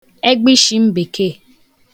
egbụshịmbekeē